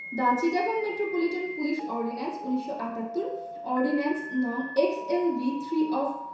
The Chittagong metropolitan police ordinance ১৯৭৮ ordinance. নং X L V three of